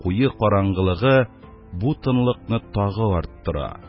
Куе караңгылыгы бу тынлыкны тагы арттыра,